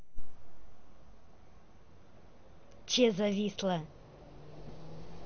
че зависла